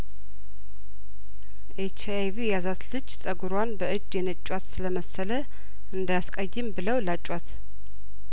ኤች አይቪ የያዛት ልጅ ጸጉሯን በእጅ የነጯት ስለመሰለ እንዳያስቀይም ብለው ላጯት